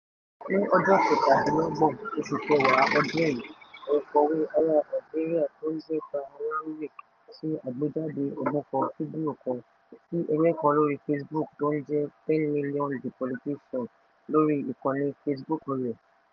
Ní ọjọ́ 27 oṣù kẹwàá ọdùn yìí, òǹkòwé arà Algeria tó ń jẹ́ Tahar Lamri [en] ṣe àgbéjáde ogbùfọ̀ fídíò kan [ar] tí ẹgbẹ́ kan lóri Facebook tó ń jẹ́ 10 Millions de Politiciens [ar, fr] lórí ìkànnì Facebook rẹ̀.